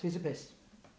Piece of piss.